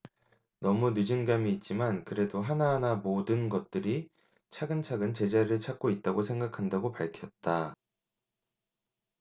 너무 늦은감이 있지만 그래도 하나하나 모든 것들이 차근차근 제자리를 찾고 있다고 생각한다고 밝혔다